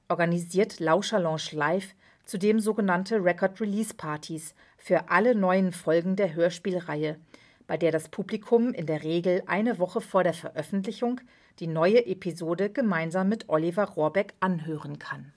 organisiert Lauscherlounge Live zudem sogenannte Record Release Parties (RRPs) für alle neuen Folgen der Hörspielreihe, bei der das Publikum in der Regel eine Woche vor der Veröffentlichung die neue Episode gemeinsam mit Oliver Rohrbeck anhören kann